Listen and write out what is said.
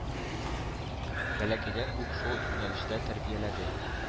Бәләкәйдән үк шул юнәлештә тәрбияләде.